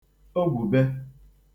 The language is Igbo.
ogwùbe